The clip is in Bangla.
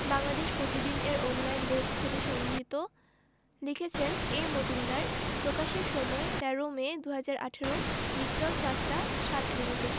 বাংলাদেশ প্রতিদিন এর অনলাইন ডেস্ক হতে সংগৃহীত লিখেছেন এ মজুমদার প্রকাশের সময় ১৩মে ২০১৮ বিকেল ৪ টা ০৭ মিনিট